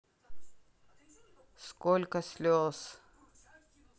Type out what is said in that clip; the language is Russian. сколько слез